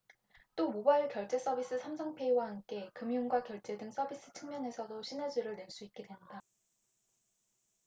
또 모바일 결제 서비스 삼성페이와 함께 금융과 결제 등 서비스 측면에서도 시너지를 낼 수 있게 된다